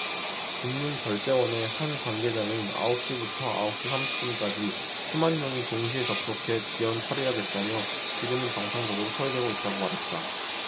금융결제원의 한 관계자는 아홉 시부터 아홉 시 삼십 분까지 수만 명이 동시에 접속해 지연처리가 됐다며 지금은 정상적으로 처리되고 있다고 말했다